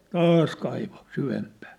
taas kaivoi syvempään